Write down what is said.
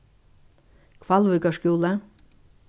hvalvíkar skúli